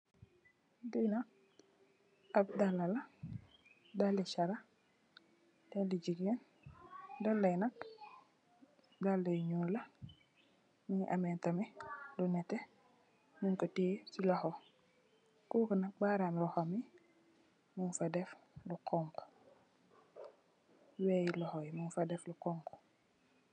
Dalli charrax, dalli jigéen, dallë yi nak, daalë yu ñuul la, mu ngi amee, nétté, ñung ko tiye si loxo, kooku nak baaraamu loxom yi, ñung fa def lu xoñgu, weyi loxo yi ñung fa def lu xoñgu.